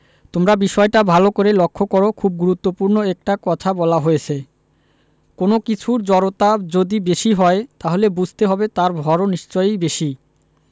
তোমরা বিষয়টা ভালো করে লক্ষ করো খুব গুরুত্বপূর্ণ একটা কথা বলা হয়েছে কোনো কিছুর জড়তা যদি বেশি হয় তাহলে বুঝতে হবে তার ভরও নিশ্চয়ই বেশি